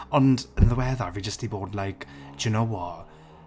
Ond yn ddiweddar fi jyst 'di bod like do you know what?